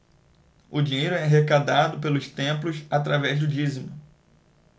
o dinheiro é arrecadado pelos templos através do dízimo